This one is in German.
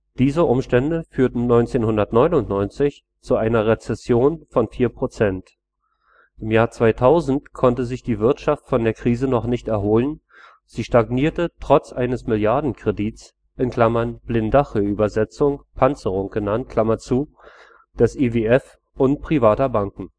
Diese Umstände führten 1999 zu einer Rezession von 4%. Im Jahr 2000 konnte sich die Wirtschaft von der Krise noch nicht erholen, sie stagnierte trotz eines Milliardenkredits (Blindaje Übersetzung: Panzerung genannt) des IWF und privater Banken